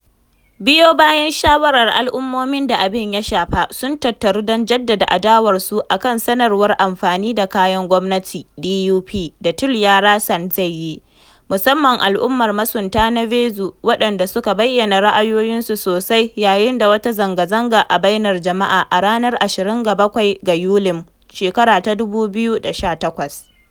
Biyo bayan shawarar, al’ummomin da abin ya shafa sun tattaru don jaddada adawarsu akan sanarwar amfani da Kayan Gwamnati (DUP) da Toliara Sands zai yi, musamman al’ummar masunta na Vezo, waɗanda suka bayyana ra’ayoyinsu sosai yayin wata zanga-zanga a bainar jama’a a ranar 27 ga Yulin 2018.